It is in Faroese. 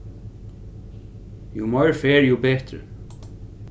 jú meiri ferð jú betri